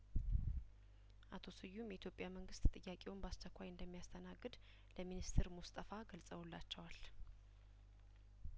አቶ ስዩም የኢትዮጵያ መንግስት ጥያቄውን በአስቸኳይ እንደሚያስተናግድ ለሚኒስትር ሙስጠፋ ገልጸውላቸዋል